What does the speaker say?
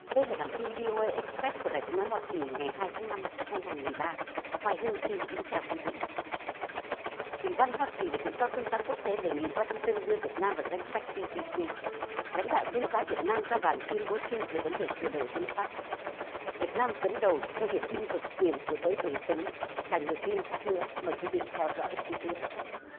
đây là bản tin vi ô ây ích pét của đài tiếng nói hoa kỳ ngày hai tháng năm hai ngàn mười ba hoài hương xin kính chào quý vị ủy ban hoa kỳ về tự do tôn giáo quốc tế đề nghị goa sinh tơn đưa việt nam vào danh sách di bi xi lãnh đạo tôn giáo việt nam ra bản tuyên bố chung về vấn đề sửa đổi hiến pháp việt nam dẫn đầu cho việc bênh vực quyền của giới đồng tính và nhiều tin khác nữa mời quý vị theo dõi chi tiết